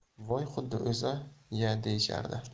voy xuddi o'zi ya deyishardi